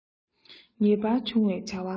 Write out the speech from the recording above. ངེས པར འབྱུང བའི བྱ བ འགའ